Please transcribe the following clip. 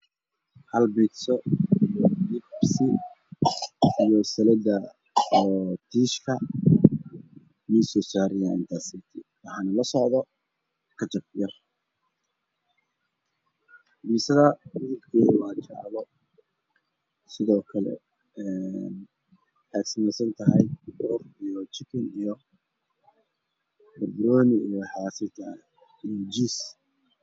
Waxaa ii muuqda miss ay saaranyihiin hal pizza oo dhameystiran iyo biyo iyo hal xanjo ah